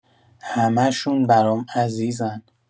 همه‌شون برام عزیزن.